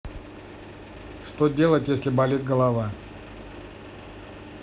что делать если болит голова